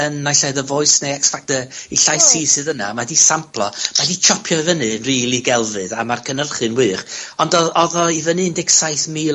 yn naill ai The Voice neu X Factor, , 'i llais hi sydd yna, mae 'edi samplo, ma' 'di tsopio i i fyny rili gelfydd, a ma'r cynhyrchu'n wych, ond o odd o i fyny i un deg saith mil